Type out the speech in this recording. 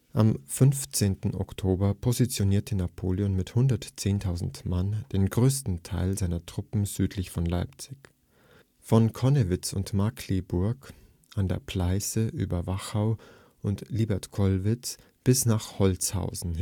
Am 15. Oktober positionierte Napoleon mit 110.000 Mann den größten Teil seiner Truppen südlich von Leipzig, von Connewitz und Markkleeberg an der Pleiße über Wachau und Liebertwolkwitz bis nach Holzhausen